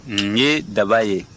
nin ye daba ye